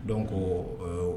Dɔn ko